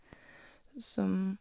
Som...